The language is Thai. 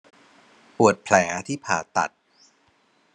ปวดแผลที่ผ่าตัด